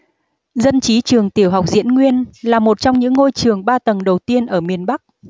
dân trí trường tiểu học diễn nguyên là một trong những ngôi trường ba tầng đầu tiên ở miền bắc